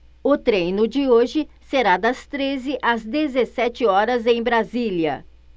o treino de hoje será das treze às dezessete horas em brasília